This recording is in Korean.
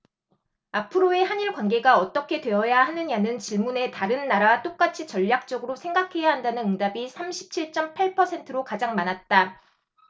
앞으로의 한 일 관계가 어떻게 되어야 하느냐는 질문에 다른 나라와 똑같이 전략적으로 생각해야 한다는 응답이 삼십 칠 쩜 팔 퍼센트로 가장 많았다